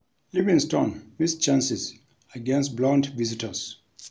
Livingston miss chances against blunt visitors